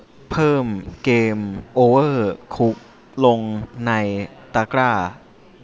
เพิ่มเกมโอเวอร์คุกลงในตะกร้า